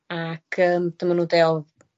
ac yym dyma nw'n deu o l-